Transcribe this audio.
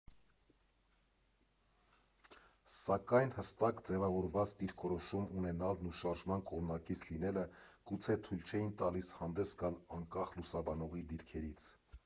Սակայն հստակ ձևավորված դիրքորոշում ունենալն ու շարժման կողմնակից լինելը գուցե թույլ չէին տալիս հանդես գալ անկախ լուսաբանողի դիրքերից։